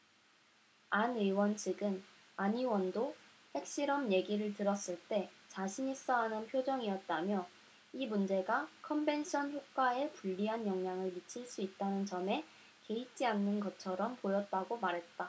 안 의원 측은 안 의원도 핵실험 얘기를 들었을 때 자신있어 하는 표정이었다며 이 문제가 컨벤션효과에 불리한 영향을 미칠 수 있다는 점에 개의치 않는 것처럼 보였다고 말했다